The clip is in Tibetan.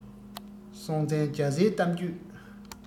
སྲོང བཙན རྒྱ བཟའི གཏམ རྒྱུད